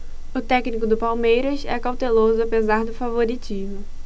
o técnico do palmeiras é cauteloso apesar do favoritismo